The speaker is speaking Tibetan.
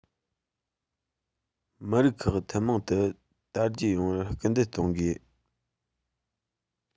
མི རིགས ཁག ཐུན མོང དུ དར རྒྱས ཡོང བར སྐུལ འདེད གཏོང དགོས